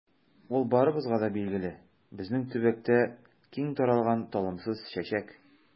Ул барыбызга да билгеле, безнең төбәктә киң таралган талымсыз чәчәк.